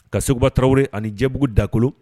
Ka seguba tarawelew ani jɛbugu dakolo